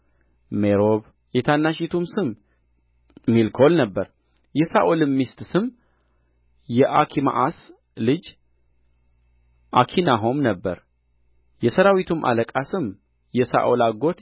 ሜሮብ የታናሺቱም ስም ሜልኮል ነበረ የሳኦልም ሚስት ስም የአኪማአስ ልጅ አኪናሆም ነበረ የሠራዊቱም አለቃ ስም የሳኦል አጎት የኔር ልጅ አበኔር ነበረ የሳኦልም አባት ቂስ ነበረ